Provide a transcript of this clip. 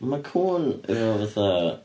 Mae cŵn efo fatha...